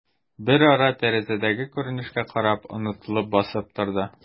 Берара, тәрәзәдәге күренешкә карап, онытылып басып торды.